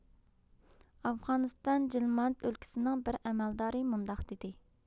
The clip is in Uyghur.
ئافغانىستان جېلماند ئۆلكىسىنىڭ بىر ئەمەلدارى مۇنداق دېدى